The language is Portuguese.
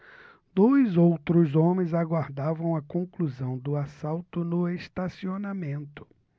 dois outros homens aguardavam a conclusão do assalto no estacionamento